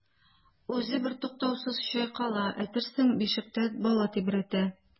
Үзе бертуктаусыз чайкала, әйтерсең бишектә бала тибрәтә.